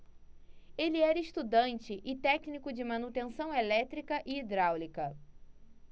ele era estudante e técnico de manutenção elétrica e hidráulica